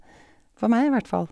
For meg, i hvert fall.